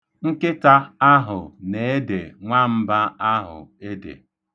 Nkịta ahụ na-ede nwamba ahụ ede.